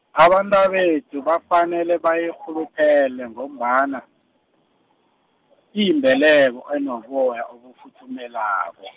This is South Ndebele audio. abantabethu bafanele bayirhuluphele ngombana, iyimbeleko enoboya , obufuthumelako.